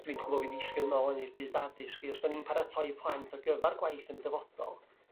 Dw i'n gwybod bo' fi'n ddisgyn yn ol yn i'r byd addysg 'lly os 'dan ni'n paratoi plant ar gyfar gwaith 'yn dyfodol,